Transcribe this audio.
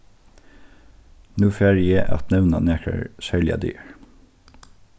nú fari eg at nevna nakrar serligar dagar